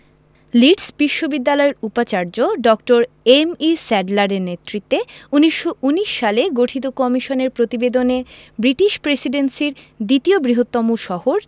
Leeds বিশ্ববিদ্যালয়ের উপাচার্য ড. এম.ই স্যাডলারের নেতৃত্বে ১৯১৯ সালে গঠিত কমিশনের প্রতিবেদনে ব্রিটিশ প্রেসিডেন্সির দ্বিতীয় বৃহত্তম শহর